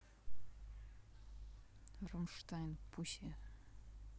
rammstein pussy